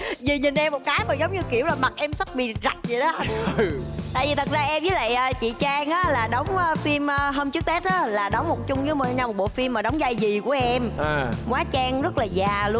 giờ nhìn em một cái mà giống như kiểu mặt em sắp bị rạch dậy đó tại vì thật ra em với lại chị trang á là đóng phim hôm trước tết á là đóng chung với nhau một bộ phim mà đóng vai dì của em hóa trang rất là già luôn